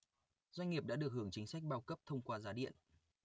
doanh nghiệp đã được hưởng chính sách bao cấp thông qua giá điện